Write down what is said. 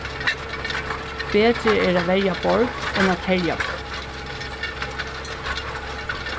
betri er at verja borg enn at herja borg